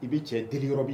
I bɛ cɛ di yɔrɔ bi